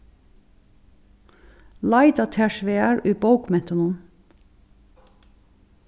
leita tær svar í bókmentunum